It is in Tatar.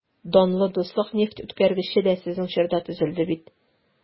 Данлы «Дуслык» нефтьүткәргече дә сезнең чорда төзелде бит...